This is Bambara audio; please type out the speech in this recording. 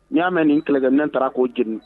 N y'a mɛn nin kɛlɛkɛ nɛn taara ko jeni